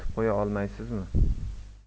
aytib qo'ya olmaysizmi